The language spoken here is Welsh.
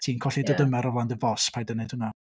Ti'n colli dy... ia. ...dymer o flaen dy fos, paid â wneud hwnna.